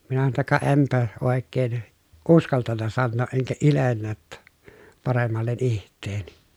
minä sanoin jotta ka enpä oikein uskaltanut sanoa enkä iljennyt että paremmalle itseäni